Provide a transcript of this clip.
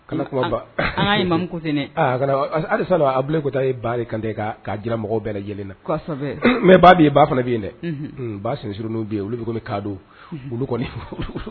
Kanaba aa mamu ko ne aaa alisa abilen kota ye bari kantɛ'a jira mɔgɔ bɛɛ lajɛlen na mɛ ba' ye ba fana bɛ yen dɛ ba sen sr'u bɛ yen olu de bɛ ka don